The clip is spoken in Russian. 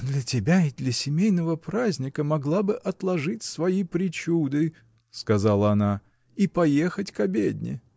— Для тебя и для семейного праздника могла бы отложить свои причуды, — сказала она, — и поехать к обедне.